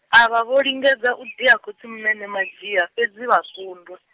avha vho lingedza u dia khotsimunene Madzhie, fhedzi vha kundwa.